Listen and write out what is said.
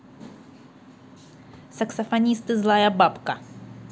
саксофонисты злая бабка